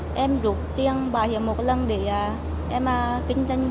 em rút tiền bảo hiểm một lần để à em à kinh doanh